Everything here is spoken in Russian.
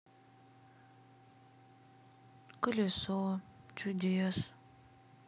колесо чудес